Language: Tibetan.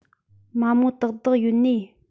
མ མོ དག དག ཡོན ནིས